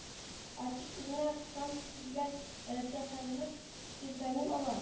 Артист үзенә камский дигән тәхәллүс псевдоним ала